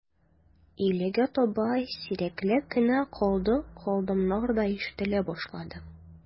Өйләгә таба сирәкләп кенә «калды», «калдым»нар да ишетелә башлады.